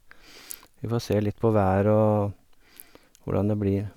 Vi får se litt på været og hvordan det blir.